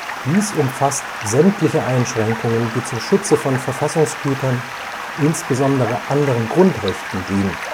Dies umfasst sämtliche Einschränkungen, die zum Schutze von Verfassungsgütern, insbesondere anderen Grundrechten, dienen